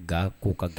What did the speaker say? Nka ko ka taa